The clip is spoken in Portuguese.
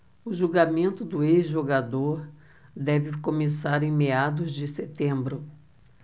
o julgamento do ex-jogador deve começar em meados de setembro